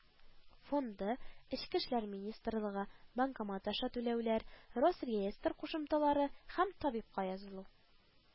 Фонды, эчке эшләр министрлыгы (банкомат аша түләүләр), росреестр кушымталары һәм табибка язылу